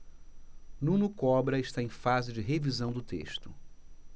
nuno cobra está em fase de revisão do texto